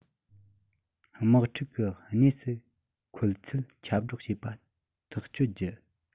དམག འཁྲུག གི གནས སུ འཁོད ཚུལ ཁྱབ བསྒྲགས བྱེད པ ཐག གཅོད རྒྱུ